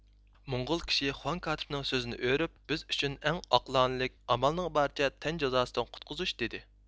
موڭغۇل كىشى خۇاڭ كاتىپنڭ سۆزىنى ئۆرۈپ بىز ئۈچۈن ئەڭ ئاقلانىلىك ئامالنىڭ بارىچە تەن جازاسىدىن قۇتقۇزۇش دىدى